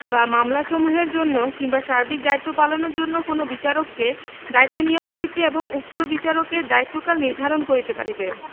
বা মামলাসমূহের জন্য কিংবা সার্বিক দায়িত্ব পালনের জন্য কোন বিচারককে দায়িত্বে নিয়োগ করিতে এবং উক্ত বিচারকের দায়িত্বকাল নির্ধারণ করিতে পারিবে